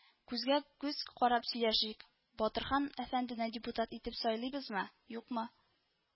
Күзгә-күз карап сөйләшик, батырхан әфәндене депутат итеп сайлыйбызмы, юкмы